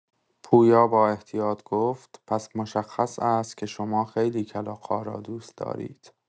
پویا با احتیاط گفت: «پس مشخص است که شما خیلی کلاغ‌ها را دوست دارید!»